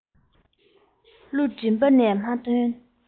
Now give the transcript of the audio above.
གླུ མགྲིན པ ནས མ ཐོན